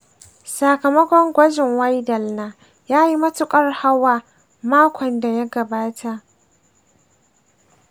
sakamakon gwajin widal na, ya yi matuƙar hawaa makon da ya gabata.